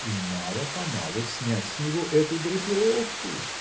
и мало-помалу снять с него эту драпировку